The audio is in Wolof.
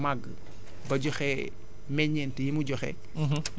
pour màgg ba joxe meññeent yi mu joxe